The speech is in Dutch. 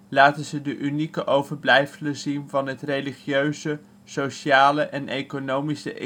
laten ze de unieke overblijfselen zien van het religieuze, sociale en economische